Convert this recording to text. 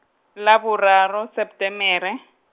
la boraro, Setemere.